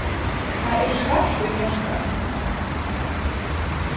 tað er svart í mjørka